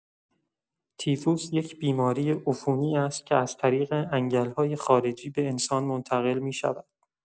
تیفوس یک بیماری عفونی است که از طریق انگل‌های خارجی به انسان منتقل می‌شود.